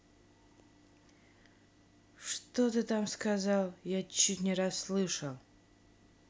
что ты там сказал я чуть не расслышал